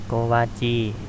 โกวาจี